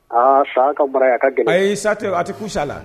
Aa san an ka bara a ka gɛlɛn a ye sa tɛ a tɛ ku sa la